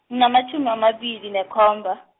nginamatjhumi amabili nekhomba.